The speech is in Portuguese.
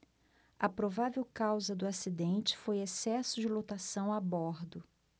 a provável causa do acidente foi excesso de lotação a bordo